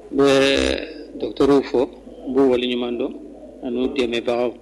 Nbɛɛ docteur w fɔ nb'u waleɲumandɔn an'u dɛmɛbagaw